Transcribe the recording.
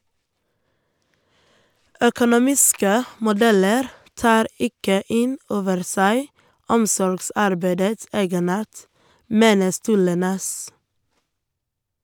- Økonomiske modeller tar ikke inn over seg omsorgsarbeidets egenart, mener Sturle Næss.